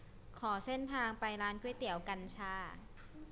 ขอเส้นทางไปร้านก๋วยเตี๋ยวกัญชา